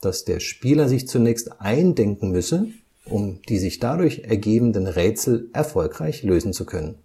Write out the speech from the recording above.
dass der Spieler sich zunächst eindenken müsse, um die sich dadurch ergebenden Rätsel erfolgreich lösen zu können